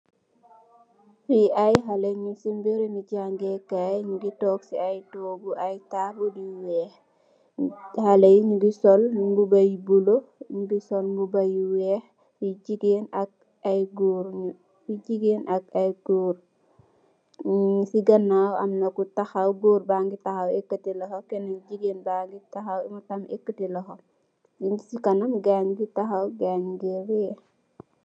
Fii aiiy haleh njung cii mbirum jaangeh kaii, njungy tok cii aiiy tohgu, aiiy taabul yu wekh, haleh yii njungy sol mbuba yu bleu, njungy sol mbuba yu wekh, fii gigain ak aiiy gorre, fii gigain ak aiiy gorre, njee cii ganaw amna ku takhaw gorre bangy takhaw ehkati lokhor, kenenn, gigain bangy takhaw mom tamit ehkati lokhor, njing cii kanam gai njungy takhaw gai njungeh rehhh.